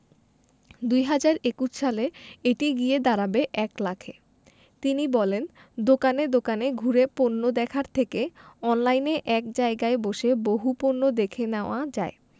২০২১ সালে এটি গিয়ে দাঁড়াবে ১ লাখে তিনি বলেন দোকানে দোকানে ঘুরে পণ্য দেখার থেকে অনলাইনে এক জায়গায় বসে বহু পণ্য দেখে নেওয়া যায়